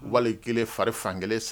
Wali kelen fari fan kelen san